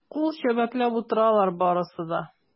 Кул чәбәкләп утыралар барысы да.